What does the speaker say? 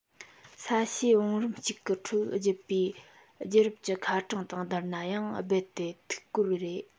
ས གཤིས བང རིམ གཅིག གི ཁྲོད བརྒྱུད པའི རྒྱུད རབས ཀྱི ཁ གྲངས དང བསྡུར ན ཡང རྦད དེ ཐིག སྒོར རེད